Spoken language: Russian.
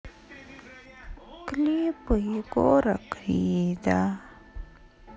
клипы егора крида